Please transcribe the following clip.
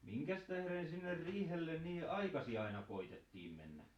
minkäs tähden sinne riihelle niin aikaisin aina koetettiin mennä